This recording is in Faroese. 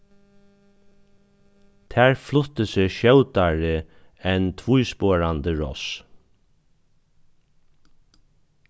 tær fluttu seg skjótari enn tvísporandi ross